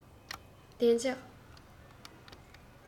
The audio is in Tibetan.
བདེ འཇགས